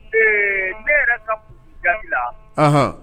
Ee ne yɛrɛ ka kunfin jati la anhan